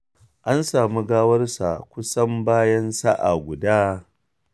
An sami gawarsa kusan bayan sa’a guda.